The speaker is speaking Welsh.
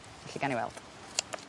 Felly gawn ni weld.